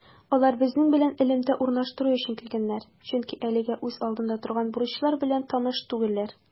Алар безнең белән элемтә урнаштыру өчен килгәннәр, чөнки әлегә үз алдында торган бурычлар белән таныш түгелләр.